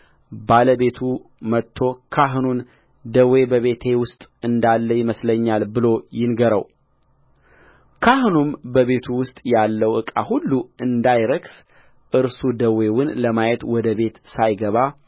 ባለቤቱ መጥቶ ካህኑን ደዌ በቤቴ ውስጥ እንዳለ ይመስለኛል ብሎ ይንገረውካህኑም በቤቱ ውስጥ ያለው ዕቃ ሁሉ እንዳይረክስ እርሱ ደዌውን ለማየት ወደ ቤት ሳይገባ